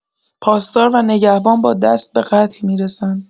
پاسدار و نگهبان با دست به قتل می‌رسند.